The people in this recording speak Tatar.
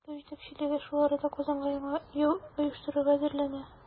Ә Мәскәү җитәкчелеге шул арада Казанга яңа яу оештырырга әзерләнә.